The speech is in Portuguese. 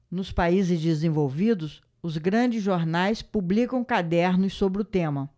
nos países desenvolvidos os grandes jornais publicam cadernos sobre o tema